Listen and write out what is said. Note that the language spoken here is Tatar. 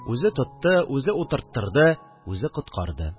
Үзе тотты, үзе утырттырды, үзе коткарды